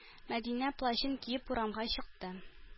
Мәдинә плащын киеп урамга чыкты.